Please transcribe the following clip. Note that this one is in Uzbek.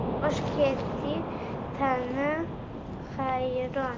bosh ketdi tana hayron